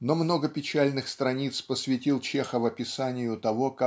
Но много печальных страниц посвятил Чехов описанию того